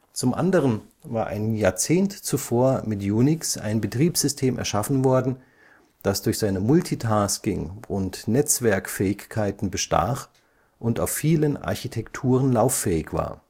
Zum anderen war ein Jahrzehnt zuvor mit Unix ein Betriebssystem erschaffen worden, das durch seine Multitasking - und Netzwerkfähigkeiten bestach und auf vielen Architekturen lauffähig war